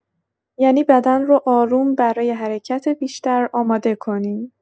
یعنی بدن رو آروم برای حرکت بیشتر آماده کنیم.